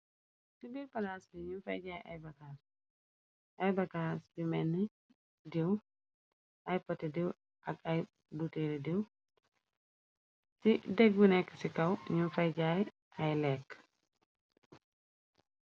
Ci biir palaas bi ñu fay jaay ay bagaas yu ménni diiw ay potté diiw ak ay butéere diiw ci dég bu nekk ci kaw nu fay jaay ay lékk.